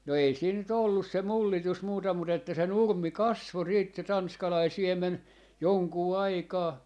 no ei siinä nyt ollut se mullitus muuta mutta että se nurmi kasvoi sitten se tanskalainen siemen jonkun aikaa